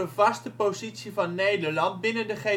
vaste positie van Nederland binnen de G20